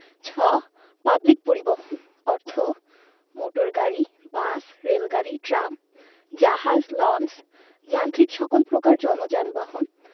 ছ পাবলিক পরিবহণ অর্থ মোটর গাড়ী বাস রেলগাড়ী ট্রাম জাহাজ লঞ্চ যান্ত্রিক সকল প্রকার জন যানবাহন